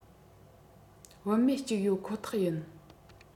བུད མེད གཅིག ཡོད ཁོ ཐག ཡིན